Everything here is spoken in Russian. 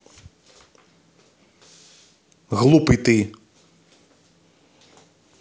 глупый ты